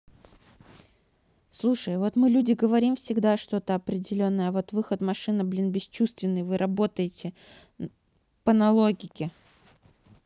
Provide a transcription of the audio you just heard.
слушай вот мы люди говорим всегда что то определенные а вот выход машина блин бесчувственные вы работаете по но логике